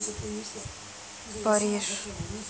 париж